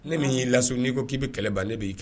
Ne min y'i la so n'i ko k'i bɛ kɛlɛ ban ne b'i